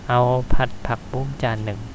เอาผัดผักบุ้งจานหนึ่ง